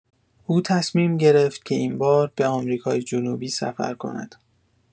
او تصمیم گرفت که این بار به آمریکای جنوبی سفر کند.